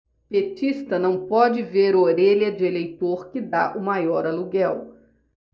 petista não pode ver orelha de eleitor que tá o maior aluguel